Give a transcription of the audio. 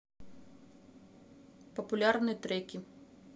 популярные треки